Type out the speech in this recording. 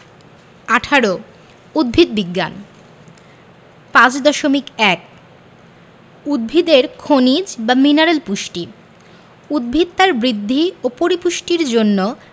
১৮ উদ্ভিদ বিজ্ঞান 5.1 উদ্ভিদের খনিজ বা মিনারেল পুষ্টি উদ্ভিদ তার বৃদ্ধি ও পরিপুষ্টির জন্য